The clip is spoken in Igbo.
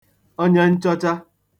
onyenchọcha